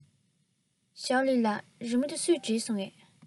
ཞོའོ ལིའི ལགས རི མོ འདི སུས བྲིས སོང ངས